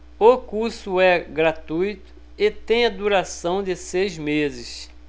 o curso é gratuito e tem a duração de seis meses